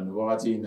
Waati in